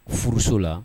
Furuso la